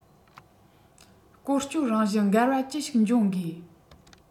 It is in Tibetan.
བཀོལ སྤྱོད རང བཞིན འགལ བ ཅི ཞིག འབྱུང དགོས